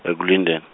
Ekulindeni.